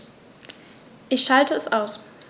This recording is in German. Ich schalte es aus.